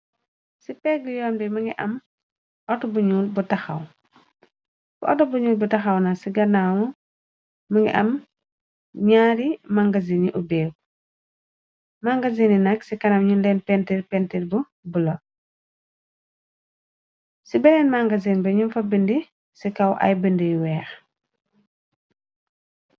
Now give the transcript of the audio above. ci pegg yombi mngi am t buu bu taxaw bu ato bu ñuur bu taxaw na ci ganaaw më ngi am ñaari mangazini ubeerg magazini nak ci kanam ñu leen pentir pentir bu bu la ci beneen magasin bi ñu fa bindi ci kaw ay bindiy weex